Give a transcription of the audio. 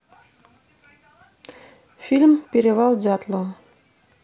фильм перевал дятлова